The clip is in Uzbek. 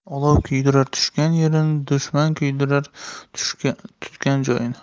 olov kuydirar tushgan yerini dushman kuydirar tutgan yerini